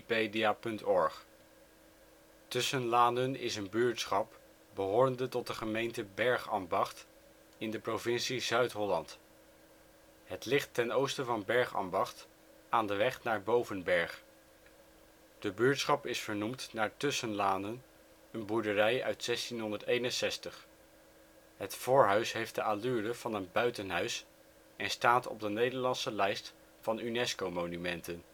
47 ' OL Tussenlanen buurtschap in Nederland Situering Provincie Zuid-Holland Gemeente Krimpenerwaard Coördinaten 51° 56′ NB, 4° 48′ OL Portaal Nederland Tussenlanen is een buurtschap behorende tot de gemeente Bergambacht in de provincie Zuid-Holland. Het ligt ten oosten van Bergambacht aan de weg naar Bovenberg. De buurtschap is genoemd naar Tusschenlanen, een boerderij uit 1661. Het voorhuis heeft de allure van een buitenhuis en staat op de Nederlandse lijst van Unesco Monumenten